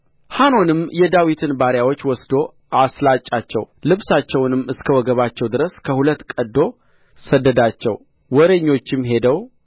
ሐኖንም የዳዊትን ባሪያዎች ወስዶ አስላጫቸው ልብሳቸውንም እስከ ወገባቸው ድረስ ከሁለት ቀድዶ ሰደዳቸው ወሬኞችም ሄደው